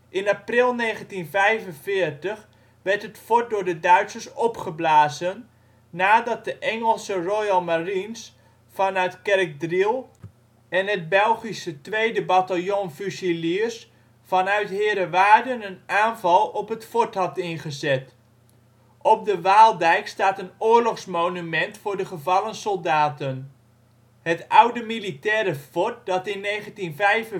In april 1945 werd het fort door de Duitsers opgeblazen, nadat de Engelse Royal Marines vanuit Kerkdriel en het Belgische Tweede Bataljon Fusiliers vanuit Heerewaarden een aanval op het fort hadden ingezet. Op de Waaldijk staat een oorlogsmonument voor de gevallen soldaten. Het oude militaire fort dat in 1945